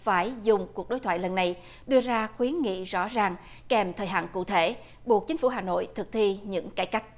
phải dùng cuộc đối thoại lần này đưa ra khuyến nghị rõ ràng kèm thời hạn cụ thể buộc chính phủ hà nội thực thi những cải cách